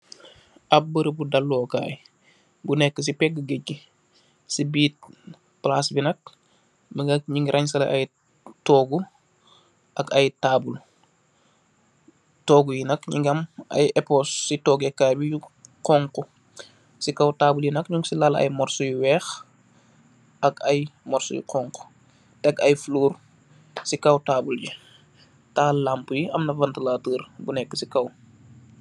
ab borobu dalo kai bu neek ci pegg geej gi ci biir plas bi nak mungi nyungi ransehleh togu ak ay taabul togu yi nak nyungi am eponsyi xonxu ci kaw taabul bi nak nyung ci lal ay morsoh yu weex ak ay morsoh yu xonxu tek ay floored ci kaw tabul bi taal lampuy amna vantelater bu neka ci kaw